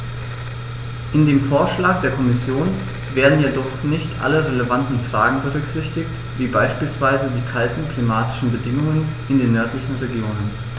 In dem Vorschlag der Kommission werden jedoch nicht alle relevanten Fragen berücksichtigt, wie beispielsweise die kalten klimatischen Bedingungen in den nördlichen Regionen.